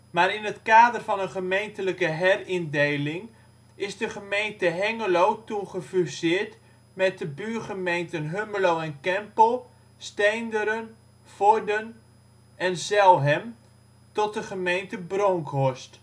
maar in het kader van een gemeentelijke herindeling is de gemeente Hengelo toen gefuseerd met de buurgemeenten Hummelo en Keppel, Steenderen, Vorden, Zelhem tot de gemeente Bronckhorst